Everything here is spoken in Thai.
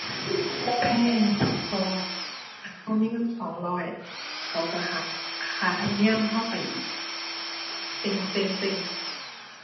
แพง เพราะว่าคันเรามีเงินสองร้อยเขาเราหักค่าธรรมเนียมเราไปอีก เซ็งเซ็งเซ็ง